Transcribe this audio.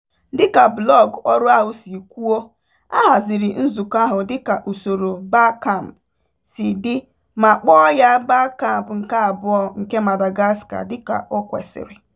Dịka blọọgụ ọrụ ahụ si kwuo, a haziri nzukọ ahụ dịka usoro Barcamp si dị ma kpọọ ya Barcamp nke abụọ nke Madagascar dịka o kwesịrị.